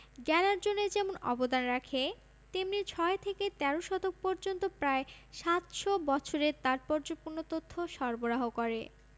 জ্ঞানার্জনে যেমন অবদান রাখে তেমনি ছয় থেকে তেরো শতক পর্যন্ত প্রায় সাতশ বছরের তাৎপর্যপূর্ণ তথ্য সরবরাহ করে